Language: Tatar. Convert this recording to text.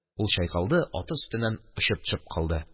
Ул чайкалды, аты өстеннән очып төшеп калды.